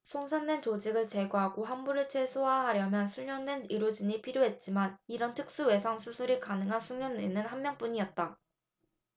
손상된 조직을 제거하고 환부를 최소화하려면 숙련된 의료진이 필요했지만 이런 특수외상 수술이 가능한 숙련의는 한 명뿐이었다